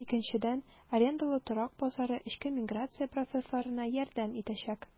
Икенчедән, арендалы торак базары эчке миграция процессларына ярдәм итәчәк.